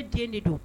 Ne den de do don